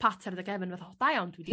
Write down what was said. pat ar dy gefn fath o da iawn ti 'di...